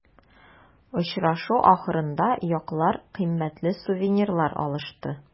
Очрашу ахырында яклар кыйммәтле сувенирлар алышты.